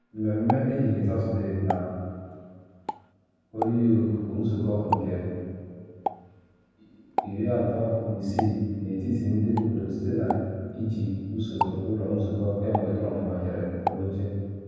Mmemme ehihie Satọde na Holyoke bụ nzụkọ nke 36 n’etiti ndị obodo site na iji usoro ụlọ nzụkọ kemgbe Trump banyere n’oche.